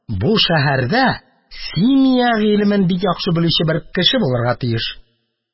Бу шәһәрдә симия гыйлемен бик яхшы белүче бер кеше булырга тиеш